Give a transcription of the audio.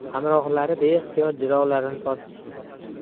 hamrohlari beixtiyor jilovlarini tortishdi